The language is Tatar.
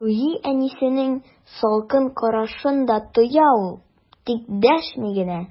Үги әнисенең салкын карашын да тоя ул, тик дәшми генә.